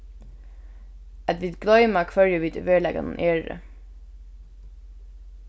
at vit gloyma hvørji vit í veruleikanum eru